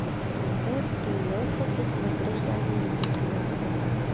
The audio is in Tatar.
Үзеңне тулы хокуклы гражданин итеп тоясың.